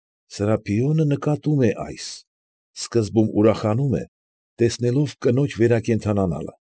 Սրափիոնը, նկատում, է այս։ Սկզբում ուրախանում է, տեսնելով կնոջ վերակենդանանալը։